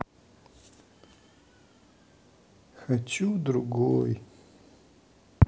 хочу другой